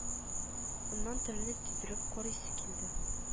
Аннан телне тидереп карыйсы килде